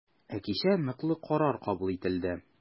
Ә кичә ныклы карар кабул ителде.